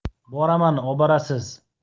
boraman oborasiz